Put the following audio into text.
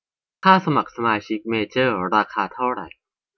ค่าสมัครสมาชิกเมเจอร์ราคาเท่าไหร่